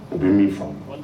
U bɛ min fɔ